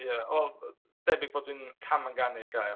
Ia, wel debyg bod fi'n cam ynganu'r gair.